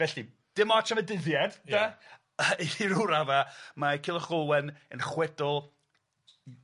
Felly dim ots am y dyddiad de a i ryw rhyw radda mae Cilwch ag Olwen yn chwedl